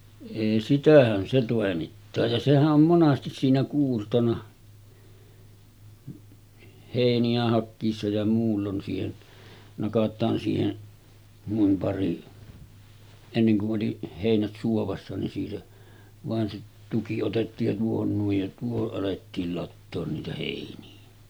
ei sitähän se toimittaa ja sehän on monesti siinä kuurtona heiniä hakiessa ja muulloin siihen nakataan siihen noin pari ennen kun oli heinät suovassa niin siitä vain se tuki otettiin ja tuohon noin ja tuohon alettiin latoa niitä heiniä